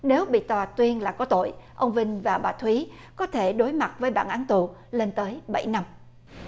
nếu bị tòa tuyên là có tội ông vinh và bà thúy có thể đối mặt với bản án tù lên tới bảy năm